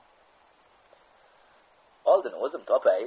oldin o'zim topay